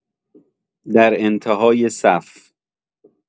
در انت‌های صف